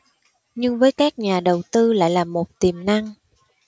nhưng với các nhà đầu tư lại là một tiềm năng